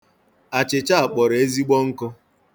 Achịcha a kpọrọ ezigbo nkụ.